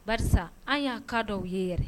Ba an y'a ka dɔ aw ye yɛrɛ